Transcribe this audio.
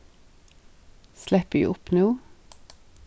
sleppi eg upp nú